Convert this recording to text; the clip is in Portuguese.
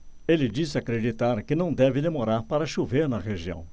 ele disse acreditar que não deve demorar para chover na região